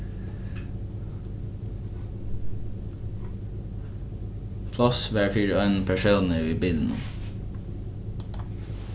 pláss var fyri einum persóni í bilinum